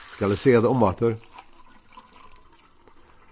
skal eg siga tað umaftur